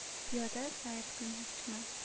piyoda sayr qilmoqchiman